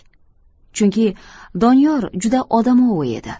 chunki doniyor juda odamovi edi